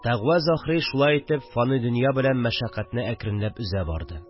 Тәкъвә Заһри шулай итеп фани дөнья белән мәшәкатьне әкренләп өзә барды